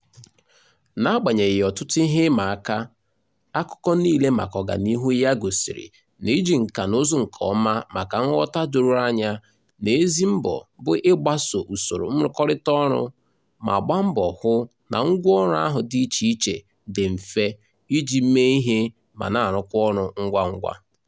N'agbanyeghi ọtụtụ ihe ịmaaka, akụkọ niile maka ọganihu ya gosiri na iji nkanụzụ nke ọma maka ghọta doro anya na ezi mgbọ bụ ịgbaso usoro nrụkọrịta ọrụ, ma gbaa mbọ hụ na ngwaọrụ ahụ dị icheiche dị mfe iji mee ihe ma na-arụkwa ọrụ ngwa ngwa.